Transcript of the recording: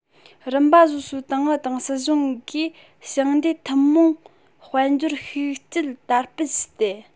རིམ པ སོ སོའི ཏང ཨུ དང སྲིད གཞུང གིས ཞིང སྡེའི ཐུན མོང དཔལ འབྱོར ཤུགས སྐྱེད དར སྤེལ བྱས ཏེ